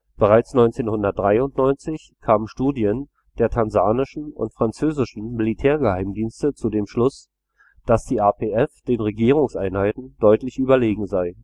Bereits 1993 kamen Studien der tansanischen und französischen Militärgeheimdienste zu dem Schluss, dass die RPF den Regierungseinheiten deutlich überlegen sei